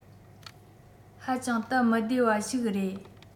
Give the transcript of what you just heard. ཧ ཅང སྟབས མི བདེ བ ཞིག རེད